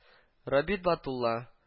Рабит Батулла